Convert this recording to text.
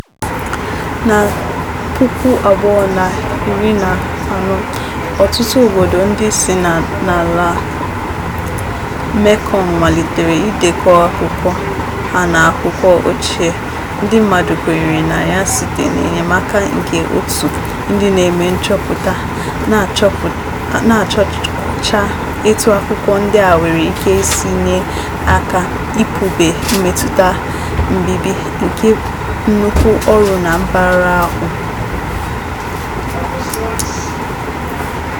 Na 2014, ọtụtụ obodo ndị si n'ala Mekong malitere idekọ akụkọ ha na akụkọ ochie ndị mmadụ kwenyere na ya site n'enyemaka nke òtù ndị na-eme nchọpụta na-achọcha etu akụkọ ndị a nwere ike isi nye aka ikpughe mmetụta mbibi nke nnukwu ọrụ na mpaghara ahụ.